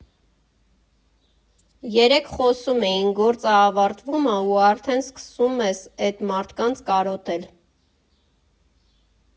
Երեկ խոսում էինք՝ գործը ավարտվում ա, ու արդեն սկսում ես էդ մարդկանց կարոտել։